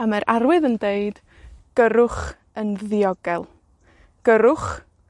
A mae'r arwydd yn deud Gyrrwch yn ddiogel. Gyrrwch,